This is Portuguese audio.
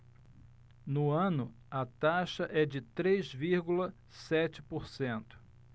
no ano a taxa é de três vírgula sete por cento